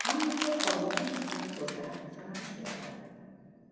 hammasi og'izdan chiqqan so'zlar samarasi edi